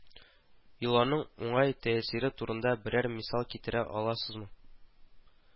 Йоланың уңай тәэсире турында берәр мисал китерә аласызмы